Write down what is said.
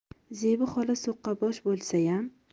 zebi xola so'qqabosh bo'lsayam